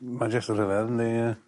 M- ma' jyst yn rhyfedd yndi ia.